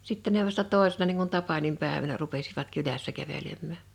sitten ne vasta toisena niin kuin tapaninpäivänä rupesivat kylässä kävelemään